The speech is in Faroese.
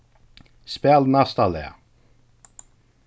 spæl næsta lag